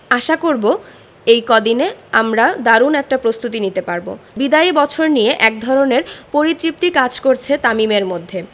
আশা করব এই কদিনে আমরা দারুণ একটা প্রস্তুতি নিতে পারব বিদায়ী বছর নিয়ে একধরনের পরিতৃপ্তি কাজ করছে তামিমের মধ্যে